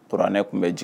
Uranɛ tun bɛ jigin